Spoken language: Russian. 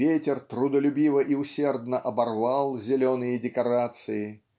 ветер трудолюбиво и усердно оборвал зеленые декорации,